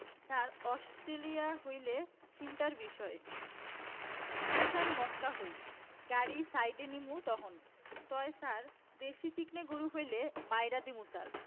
ছার Australia হইলে চিন্তার বিষয় গুলসান মোটকা হই গাড়ি সাইডে নিমু তহন তয় ছার দেশি চিকনা গরু হইলে মাইরা দিমু ছার